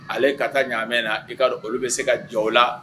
Ale ka taa ɲaaamɛ na i ka don olu bɛ se ka jɔ la